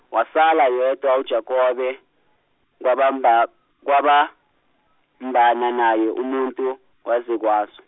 wasala yedwa uJakobe, wabamba kwabambana naye umuntu kwaze kwasa.